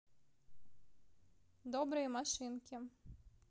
добрые машинки